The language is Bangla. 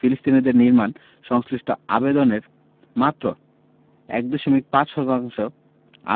ফিলিস্তিনিদের নির্মাণ সংশ্লিষ্ট আবেদনের মাত্র ১.৫ শতাংশ